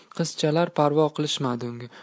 qizchalar parvo qilishmadi unga